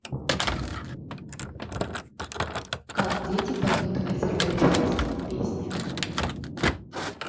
как дети поют азербайджанские песни